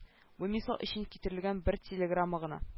Бу мисал өчен китерелгән бер телеграмма гына